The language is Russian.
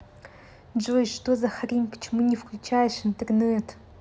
джой что за хрень почему не включаешь интернет